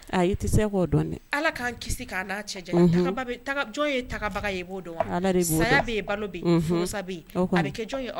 Aa i ti se k'o dɔn dɛ Ala k'an kisi k'an n'a cɛ jaɲa unhun takaba be taka jɔn ye takabaga ye e b'o dɔn wa saya be ye balo be ye furusa be ye a be kɛ jɔn ye aw